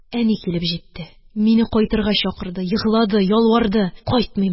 Әни килеп җитте. мине кайтырга чакырды, еглады, ялварды. «кайтмыйм»,